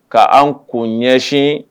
Ka an kun ɲɛsin